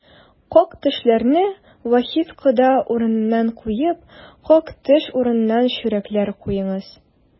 Как-төшләрне Вахит кода урынына куеп, как-төш урынына чүрәкләр куеңыз!